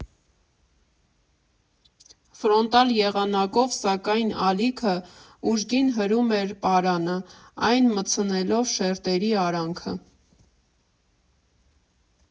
Ֆրոնտալ եղանակով, սակայն, ալիքը ուժգին հրում էր պարանը՝ այն մտցնելով շերտերի արանքը։